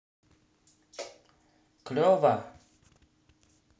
клево